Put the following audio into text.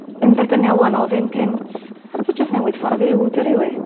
yn derbyniol 'wan o' ddim cynt. So jyst newid ffor o fyw 'di o rili.